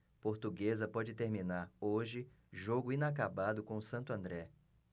portuguesa pode terminar hoje jogo inacabado com o santo andré